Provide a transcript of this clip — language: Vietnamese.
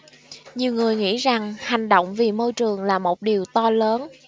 nhiều người nghĩ rằng hành động vì môi trường là một điều to lớn